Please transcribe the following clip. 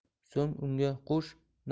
so'ng unga qo'sh